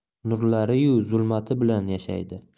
nurlari yu zulmati bilan yashaydi